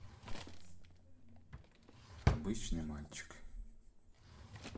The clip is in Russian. обычный мальчик